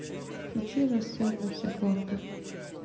включи рассвет на всех лампах